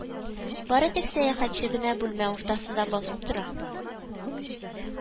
Бары тик сәяхәтче генә бүлмә уртасында басып тора